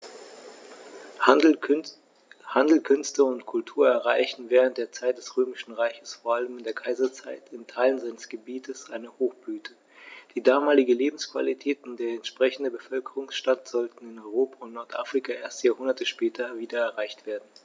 Handel, Künste und Kultur erreichten während der Zeit des Römischen Reiches, vor allem in der Kaiserzeit, in Teilen seines Gebietes eine Hochblüte, die damalige Lebensqualität und der entsprechende Bevölkerungsstand sollten in Europa und Nordafrika erst Jahrhunderte später wieder erreicht werden.